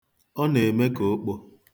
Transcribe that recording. Ọ na-eme ka okpo.